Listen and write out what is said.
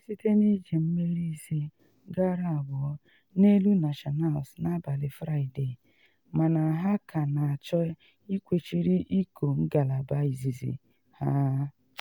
site na iji mmeri 5-2 n’elu Nationals n’abalị Fraịde, mana ha ka na achọ ịkwechiri iko ngalaba izizi ha.